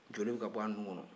joli bɛ ka bɔ a nun kɔnɔ